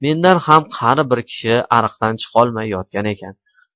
mendan ham qari bir kishi ariq dan chiqolmay yotgan ekan